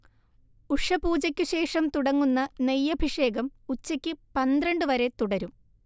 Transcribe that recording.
ഉഷഃപൂജക്കുശേഷം തുടങ്ങുന്ന നെയ്യഭിഷേകം ഉച്ചക്ക് പന്ത്രണ്ടു വരെ തുടരും